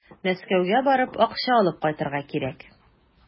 Мәскәүгә барып, акча алып кайтырга кирәк.